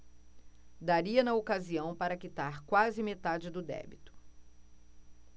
daria na ocasião para quitar quase metade do débito